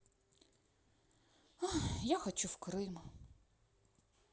я хочу в крым